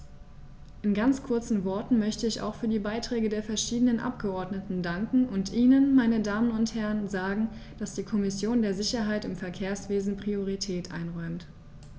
In ganz kurzen Worten möchte ich auch für die Beiträge der verschiedenen Abgeordneten danken und Ihnen, meine Damen und Herren, sagen, dass die Kommission der Sicherheit im Verkehrswesen Priorität einräumt.